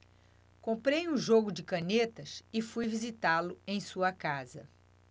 comprei um jogo de canetas e fui visitá-lo em sua casa